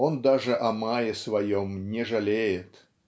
Он даже о мае своем не жалеет